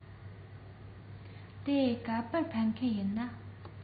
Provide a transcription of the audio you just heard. ད ག པར ཕེབས མཁན ཡིན ན